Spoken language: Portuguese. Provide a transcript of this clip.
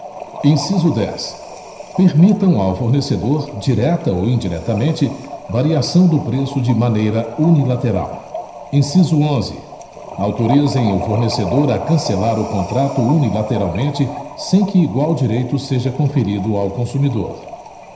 inciso dez permitam ao fornecedor direta ou indiretamente variação do preço de maneira unilateral inciso onze autorizem o fornecedor a cancelar o contrato unilateralmente sem que igual direito seja conferido ao consumidor